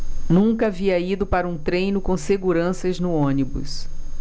nunca havia ido para um treino com seguranças no ônibus